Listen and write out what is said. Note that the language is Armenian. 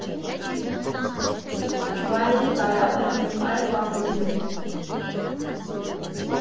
Վայրի կարապը և այլ պատումներ։